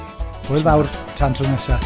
Hwyl fawr tan tro nesaf.